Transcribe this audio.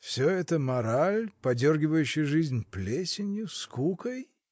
— Всё это мораль, подергивающая жизнь плесенью, скукой!.